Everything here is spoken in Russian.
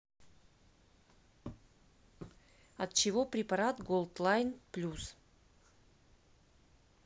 от чего препарат голдлайн плюс